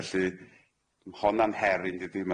Felly m' honna'n her yndydi?